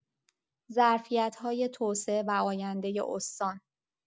ظرفیت‌های توسعه و آینده استان